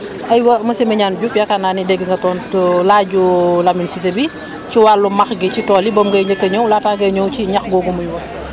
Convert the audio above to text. aywa monsieur Mignane diouf yaakaar naa ne dégg nga tontu laaju Lamine Cissé bi ci wàllu max gi ci tool yi boobu ngay njëkk a ñëw laata ngay ñëw ci ñax googu muy wax